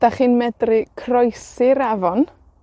'dach chi'n medru croesi'r afon.